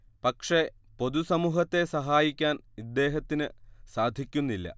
പക്ഷേ പൊതു സമൂഹത്തെ സഹായിക്കാൻ ഇദ്ദേഹത്തിന് സാധിക്കുന്നില്ല